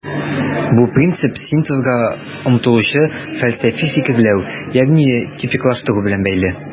Бу принцип синтезга омтылучы фәлсәфи фикерләү, ягъни типиклаштыру белән бәйле.